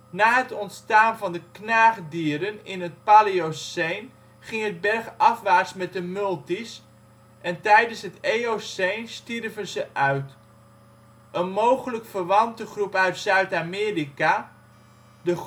Na het ontstaan van de knaagdieren in het Paleoceen ging het bergafwaarts met de multi 's en tijdens het Eoceen stierven ze uit. Een mogelijk verwante groep uit Zuid-Amerika, de